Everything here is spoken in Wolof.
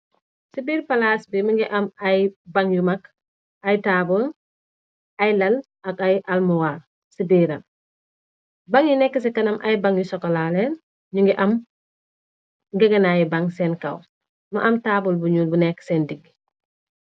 Ci biir palaac bi mu ngi am ay bang yu mag, ay taabl, ay lal ak ay almoar ci biiram. Bang yu nekk ci kanam ay bang yu sokolaaleen ñu ngi am gegenaayi bang seen kaw. Mu am taabl bu nuul bu nekk seen digg.